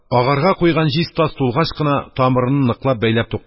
Агарга куйган җиз тас тулгач кына тамырны ныклап бәйләп туктаталар иде.